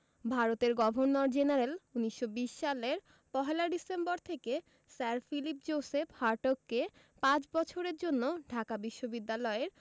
ভারতের governor general ১৯২০ সালের ১ December থেকে স্যার ফিলিপ জোসেফ হার্টগকে পাঁচ বছরের জন্য ঢাকা বিশ্ববিদ্যালয়ের